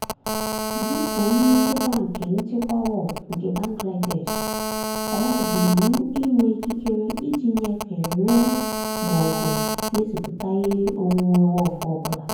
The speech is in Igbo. Dị ka onye nchịkwa nke Nchịkwa Waqf nke Bangladesh, ọ bụ iwu inwe ikikere iji nyefee, ree ma ọ bụ mezipụta ihe onwunwe Waqf ọ bula.